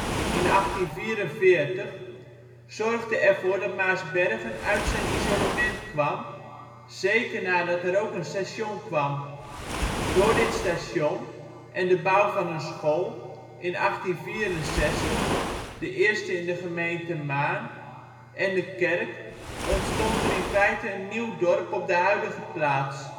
in 1844 zorgde ervoor dat Maarsbergen uit zijn isolement kwam, zeker nadat er ook een station kwam. Door dit station, en de bouw van een school, in 1864 (de eerste in de gemeente Maarn) en de kerk ontstond er in feite een nieuw dorp op de huidige plaats